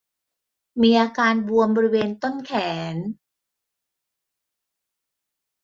มีอาการบวมบริเวณต้นแขน